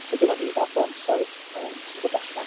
so dyma ni'r fath o ansawdd yym sy'n dod allan.